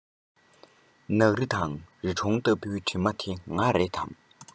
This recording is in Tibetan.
ནགས རི དང རི གྲོང ལྟ བུའི གྲིབ མ དེ ང རེད དམ